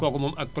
kooku moom ak